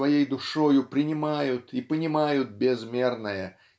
своей душою принимают и понимают безмерное